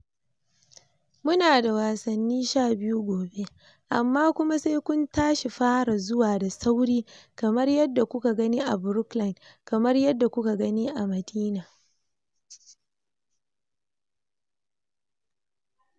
"Mu na da wasanni 12 gobe, amma kuma sai kun tashi fara zuwa da sauri kamar yadda kuka gani a Brookline, kamar yadda kuka gani a Medinah.